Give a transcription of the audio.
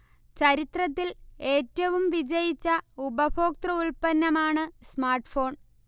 ചരിത്രത്തിൽ ഏറ്റവും വിജയിച്ച ഉപഭോക്തൃ ഉത്പന്നമാണ് സ്മാർട്ഫോൺ